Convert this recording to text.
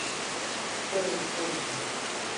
ดูดฝุ่น